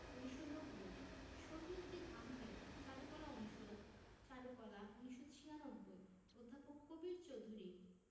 ১৯৯০ শফিউদ্দীন আহমেদ চারুকলা অনুষদ চারুকলা ১৯৯৬ অধ্যাপক কবীর চৌধুরী